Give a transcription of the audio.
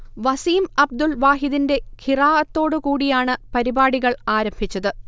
വസീം അബ്ദുൽ വാഹിദിന്റെ ഖിറാഅത്തോട് കൂടിയാണ് പരിപാടികൾ ആരംഭിച്ചത്